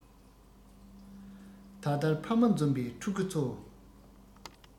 ད ལྟར ཕ མ འཛོམས པའི ཕྲུ གུ ཚོ